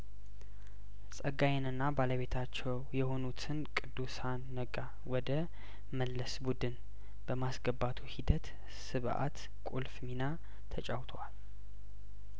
ጸጋዬንና ባለቤታቸው የሆኑትን ቅዱሳን ነጋ ወደ መለስ ቡድን በማስገባቱ ሂደት ስብአት ቁልፍ ሚና ተጫውተዋል